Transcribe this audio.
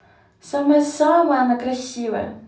самая самая она красивая